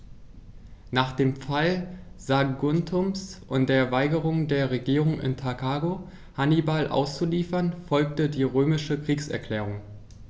Nach dem Fall Saguntums und der Weigerung der Regierung in Karthago, Hannibal auszuliefern, folgte die römische Kriegserklärung.